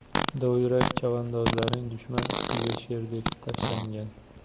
dovyurak chavandozlaring dushman ustiga sherdek tashlangan